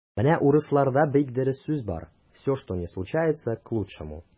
Менә урысларда бик дөрес сүз бар: "все, что ни случается - к лучшему".